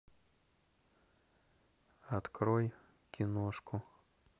открой киношку